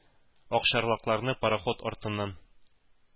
Акчарлакларны пароход артыннан